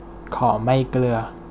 ขอไม่เกลือ